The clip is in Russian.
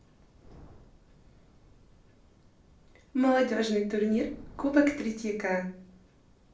молодежный турнир кубок третьяка